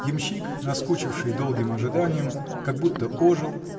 Ямщик, наскучивший долгим ожиданием, как будто ожил